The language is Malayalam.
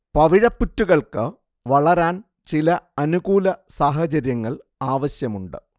പവിഴപ്പുറ്റുകൾക്കു വളരാൻ ചില അനുകൂല സാഹചര്യങ്ങൾ ആവശ്യമുണ്ട്